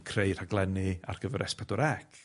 creu rhaglenni ar gyfer Ess Pedwar Ec.